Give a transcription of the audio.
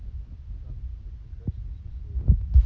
ангел ты прекрасен все серии